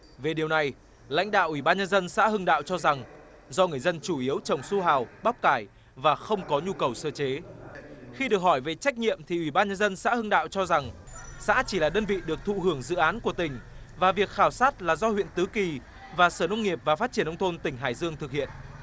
về điều này lãnh đạo ủy ban nhân dân xã hưng đạo cho rằng do người dân chủ yếu trồng su hào bắp cải và không có nhu cầu sơ chế khi được hỏi về trách nhiệm thì ủy ban nhân dân xã hưng đạo cho rằng xã chỉ là đơn vị được thụ hưởng dự án của tỉnh và việc khảo sát là do huyện tứ kỳ và sở nông nghiệp và phát triển nông thôn tỉnh hải dương thực hiện